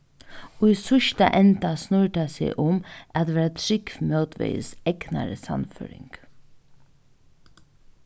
í síðsta enda snýr tað seg um at vera trúgv mótvegis egnari sannføring